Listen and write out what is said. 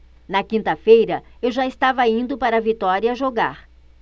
na quinta-feira eu já estava indo para vitória jogar